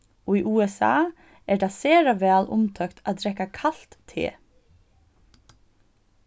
í usa er tað sera væl umtókt at drekka kalt te